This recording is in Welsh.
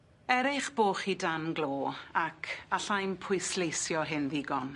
Er eich bo' chi dan glo ac allai'm pwysleisio hyn ddigon.